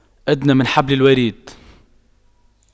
أدنى من حبل الوريد